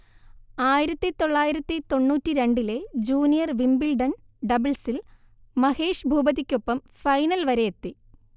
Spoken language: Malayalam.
ആയിരത്തി തൊള്ളായിരത്തി തൊണ്ണൂറ്റി രണ്ടിലെ ജൂനിയർ വിംബിൾഡൺ ഡബ്ൾസിൽ മഹേഷ് ഭൂപതിക്കൊപ്പം ഫൈനൽ വരെയെത്തി